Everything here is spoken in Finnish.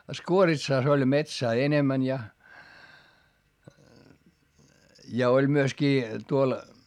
Skuoritsassa oli metsää enemmän ja ja oli myöskin tuolla